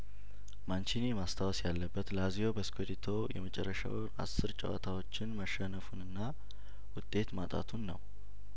ማንቺኒ ማስታወስ ያለበት ላዚዮ በስኩዲቶው የመጨረሻው አስር ጨዋታዎችን መሸነፉንና ውጤት ማጣቱን ነው